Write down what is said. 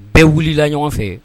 Bɛɛ wulila ɲɔgɔn fɛ